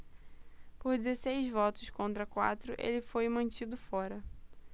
por dezesseis votos contra quatro ele foi mantido fora